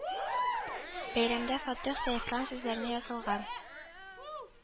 Бәйрәмдә Фатыйх Сәйфран сүзләренә язылган